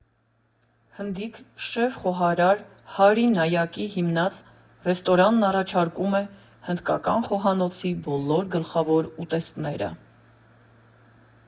Հնդիկ շեֆ֊խոհարար Հարի Նայակի հիմնած ռեստորանն առաջարկում է հնդկական խոհանոցի բոլոր գլխավոր ուտեստները։